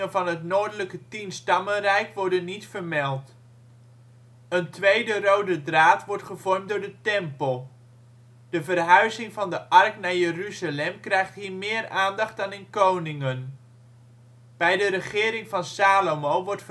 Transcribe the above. van het noordelijke tien stammenrijk worden niet vermeld. Een tweede rode draad wordt gevormd door de tempel. De verhuizing van de ark naar Jeruzalem krijgt hier meer aandacht dan in Koningen. Bij de regering van Salomo wordt